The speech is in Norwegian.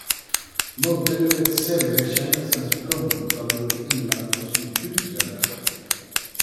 - Nådde du et selverkjennelsens punkt da du ble innlagt på sykehus, eller?